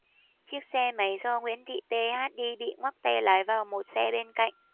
chiếc xe máy do nguyễn thị th đi bị ngoắc tay lái vào một xe bên cạnh